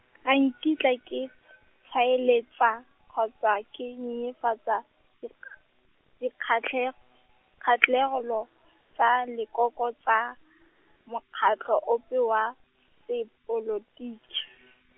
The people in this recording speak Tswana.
ga nkitla ke, tlhaeletsa, kgotsa ke nyenyefatsa, dikg-, dikgatle-, dikgatlhegelo , tsa lekoko tsa, mokgatlho ope wa, sepolotiki.